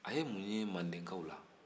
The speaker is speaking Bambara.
a ye mun ye mandenkaw la